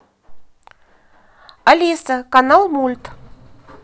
алиса канал мульт